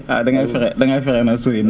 ah da ngay fexe da ngay fexe nag sori